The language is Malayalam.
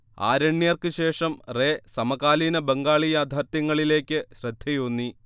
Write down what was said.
ആരണ്യർക്ക് ശേഷം റേ സമകാലീന ബംഗാളി യാഥാർത്ഥ്യങ്ങളിലേയ്ക്ക് ശ്രദ്ധയൂന്നി